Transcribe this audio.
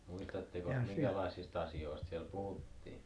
muistatteko minkälaisista asioista siellä puhuttiin